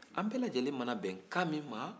an bɛɛ lajɛlen mana bɛn kan min ma